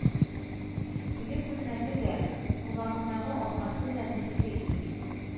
Теге күлмәге дә, колагындагы алкасы да минеке иде бит», –